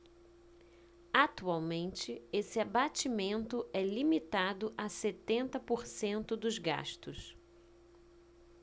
atualmente esse abatimento é limitado a setenta por cento dos gastos